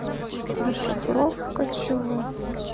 расшифровка чего